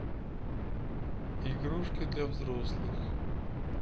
игрушки для взрослых